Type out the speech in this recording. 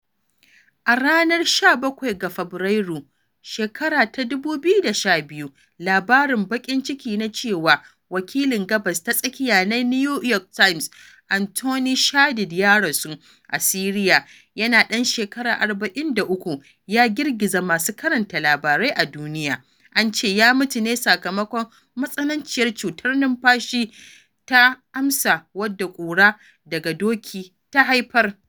A ranar 17 ga Fabrairu, 2012, labarin baƙin ciki na cewa wakilin Gabas ta Tsakiya na New York Times, Anthony Shadid, ya rasu a Siriya yana ɗan shekaru 43, ya girgiza masu karanta labarai a duniya. An ce ya mutu ne sakamakon matsananciyar cutar numfashi ta asma wadda ƙura daga doki ta haifar.